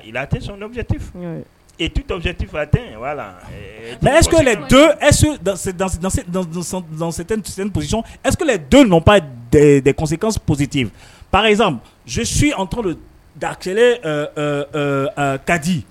Titi tɛ la ɛ esi don ɛse psi es don dɔba desikaspsite paz ze su an tora don da kelen kadi